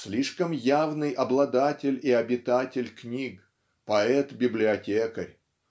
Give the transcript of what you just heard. Слишком явный обладатель и обитатель книг поэт-библиотекарь